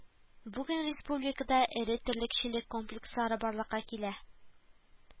Бүген республикада эре терлекчелек комплекслары барлыкка килә